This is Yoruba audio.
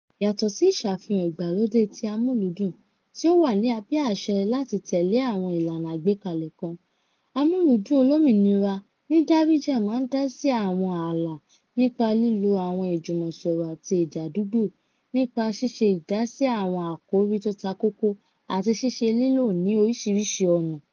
Yàtọ̀ sí ìṣàfihàn ìgbàlódé ti amúlùúdùn, tí ó wà ní abẹ́ àṣẹ láti tẹ̀lé àwọn ìlànà àgbékalẹ̀ kan, àmúlùúdùn olómìnira ní Darija máa ń dásí àwọn ààlà, nípa lílo àwọn ìjùmọ̀sọ̀rọ̀ àti èdè àdúgbò, nípa ṣíṣe ìdásí àwọn àkórí tó ta kókó, àti ṣíṣe lílò ní oríṣìíríṣìí ọ̀nà.